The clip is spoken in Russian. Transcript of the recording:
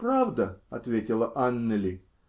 -- Правда, -- ответила Аннели.